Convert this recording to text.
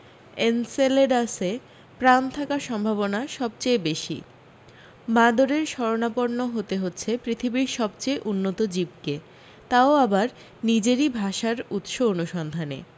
এনসেলেডাসে প্রাণ থাকার সম্ভাবনা সব থেকে বেশী বাঁদরের শরণাপন্ন হতে হচ্ছে পৃথিবীর সব চেয়ে উন্নত জীবকে তাও আবার নিজেরি ভাষার উৎস অনুসন্ধানে